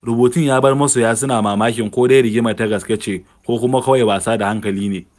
Rubutun ya bar masoya suna mamakin ko dai rigimar ta gaske ce ko kuma kawai wasa da hankali ne